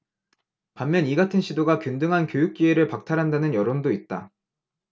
반면 이같은 시도가 균등한 교육기회를 박탈한다는 여론도 있다